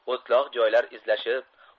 o'tloq joylar izlashib